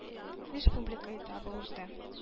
Республика этабы узды